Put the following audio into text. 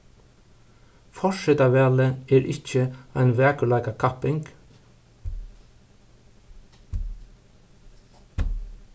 forsetavalið er ikki ein vakurleikakapping